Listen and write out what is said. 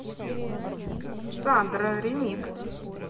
сандра ремикс